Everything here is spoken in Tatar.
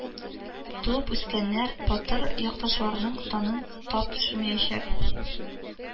Туып үскәннәр батыр якташларының данын тап төшермәячәк